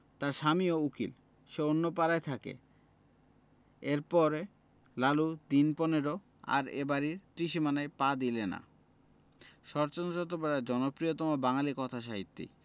তার স্বামীও উকিল সে অন্য পাড়ায় থাকেএর পরে লালু দিন পনেরো আর এ বাড়ির ত্রিসীমানায় পা দিলে না শরৎচন্দ্র চট্টোপাধ্যায় জনপ্রিয়তম বাঙালি কথাসাহিত্যিক